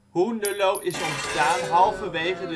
Hoenderloo is ontstaan halverwege